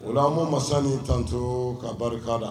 O la, an bɛ masa nin tanto ka barika da.